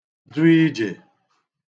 du ije